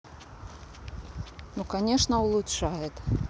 ну конечно улучшает